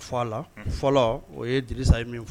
Fɔ a la, fɔlɔ o ye Dirisa ye min fɔ